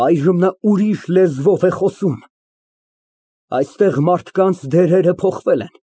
Այժմ նա ուրիշ լեզվով է խոսում։ Այստեղ մարդկանց դերերը փոխվել են։